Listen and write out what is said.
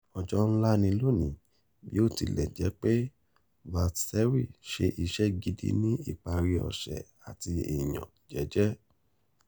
Ọjọ́ ńlá ní lòní. Bí ó tilẹ̀ jẹ́ pé Valtteri ṣe iṣẹ́ gidi ní ìparí ọ̀sẹ̀ àti èèyàn jẹ́jẹ́.